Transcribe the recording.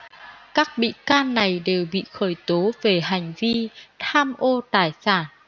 các bị can này đều bị khởi tố về hành vi tham ô tài sản